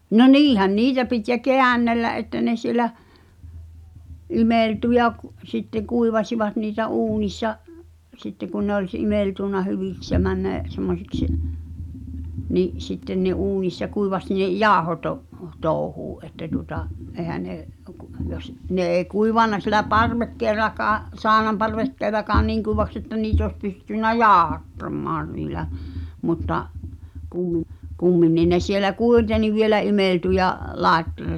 no niinhän niitä piti ja käännellä että ne siellä imeltyi ja - sitten kuivasivat niitä uunissa sitten kun ne oli - imeltynyt hyviksi ja mennyt semmoisiksi niin sitten ne uunissa kuivasi ne - jauhotouhua että tuota eihän ne kun jos ne ei kuivanut siellä parvekkeellakaan saunanparvekkeellakaan niin kuivaksi että niitä olisi pystynyt jauhattamaan niillä mutta kumminkin ne siellä kuitenkin vielä imeltyi ja -